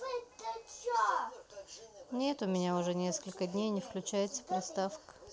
нет у меня уже несколько дней не включается приставка